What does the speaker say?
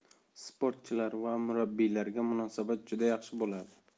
sportchilar va murabbiylarga munosabat juda yaxshi bo'ladi